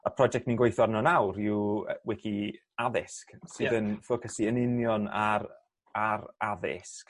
y project ni'n gweitho arno nawr yw yy wici addysg.... Ie. ...sydd yn ffocysu yn union ar ar addysg